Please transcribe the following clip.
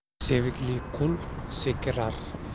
sevikli qul sekirar